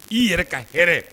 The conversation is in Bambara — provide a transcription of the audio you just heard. I yɛrɛ ka hɛrɛ